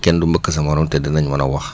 kenn du mbëkk sa morom te dinañ mën a wax